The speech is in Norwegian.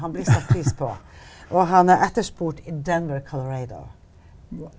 han blir satt pris på og han er etterspurt i Denver Colorado.